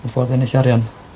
ma'n ffordd ennill arian.